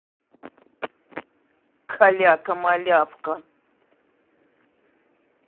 каляка малявка